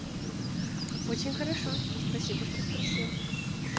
очень хорошо спасибо что спросил